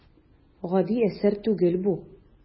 Гади әсәр түгел бу.